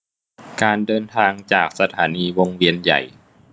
การเดินทางจากสถานีวงเวียนใหญ่